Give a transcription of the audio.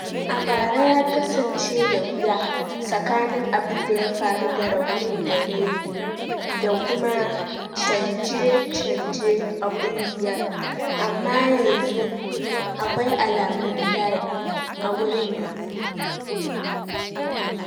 A bara ya kasance da wuya, tsakanin abin da ya faru da raunin da na yi da kuma canje-canje a kungiyar amma yanzu akwai alamun dadi a wurin yanzu.